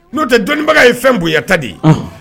N'o tɛ dɔnniinbaga ye fɛn bonya ta de ye